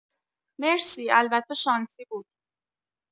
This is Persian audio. مرسی البته شانسی بود